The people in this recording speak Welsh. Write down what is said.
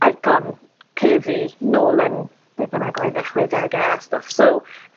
icon curvy nôl yn be' bynnag oedd e, chwedege a stwff, so